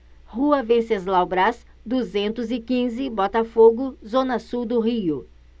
rua venceslau braz duzentos e quinze botafogo zona sul do rio